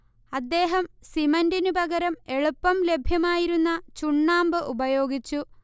അദ്ദേഹം സിമന്റിനു പകരം എളുപ്പം ലഭ്യമായിരുന്ന ചുണ്ണാമ്പ് ഉപയോഗിച്ചു